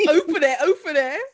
Open it! Open it!